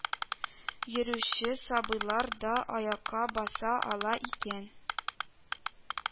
Йөрүче сабыйлар да аякка баса ала икән